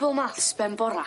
Dybl maths ben bora.